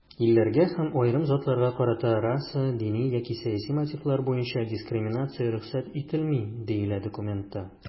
"илләргә һәм аерым затларга карата раса, дини яки сәяси мотивлар буенча дискриминация рөхсәт ителми", - диелә документта.